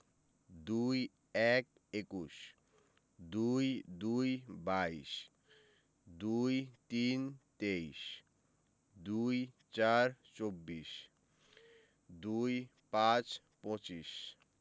২১ – একুশ ২২ – বাইশ ২৩ – তেইশ ২৪ – চব্বিশ ২৫ – পঁচিশ